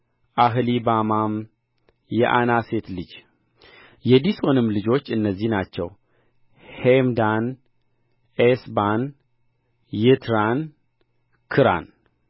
አህሊባማም የዓና ሴት ልጅ የዲሶንም ልጆች እነዚህ ናቸው ሔምዳን ኤስባን ይትራን ክራን